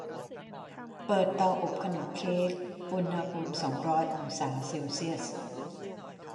เปิดเตาอบขนมเค้กอุณหภูมิสองร้อยองศาเซลเซียส